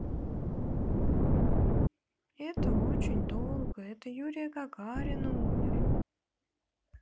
это очень долго это юрия гагарина умер